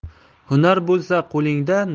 hunar bo'lsa qo'lingda